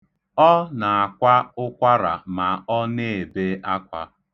Ọ na-akwa ụkwara ma ọ na-ebe akwa.